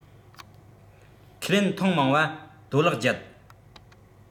ཁས ལེན ཐེངས མང བ རྡོ ལག བརྒྱུད